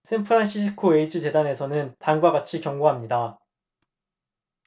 샌프란시스코 에이즈 재단에서는 다음과 같이 경고합니다